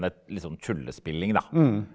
det er liksom tullespilling da.